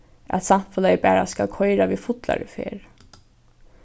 at samfelagið bara skal koyra við fullari ferð